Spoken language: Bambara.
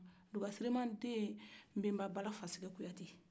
dugasiriman den de ye nbenba balafaseke kuyate